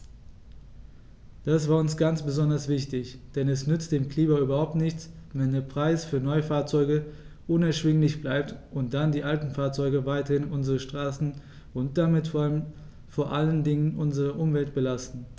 Das war uns ganz besonders wichtig, denn es nützt dem Klima überhaupt nichts, wenn der Preis für Neufahrzeuge unerschwinglich bleibt und dann die alten Fahrzeuge weiterhin unsere Straßen und damit vor allen Dingen unsere Umwelt belasten.